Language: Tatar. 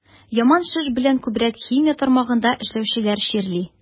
Яман шеш белән күбрәк химия тармагында эшләүчеләр чирли.